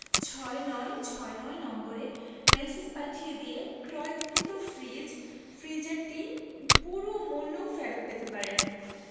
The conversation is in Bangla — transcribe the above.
৬৯৬৯ নম্বরে ম্যাসেজ পাঠিয়ে দিয়ে ক্রয়কৃত ফ্রিজ ফ্রিজারটির পুরো মূল্য ফেরত পেতে পারেন